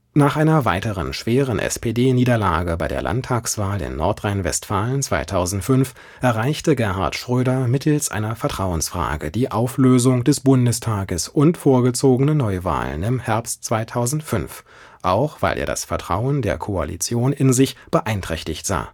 Nach einer weiteren schweren SPD-Niederlage bei der Landtagswahl in Nordrhein-Westfalen 2005 erreichte Gerhard Schröder mittels einer Vertrauensfrage die Auflösung des Bundestages und vorgezogene Neuwahlen im Herbst 2005, auch weil er das Vertrauen der Koalition in sich beeinträchtigt sah